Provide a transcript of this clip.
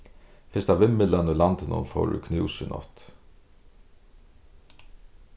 fyrsta vindmyllan í landinum fór í knús í nátt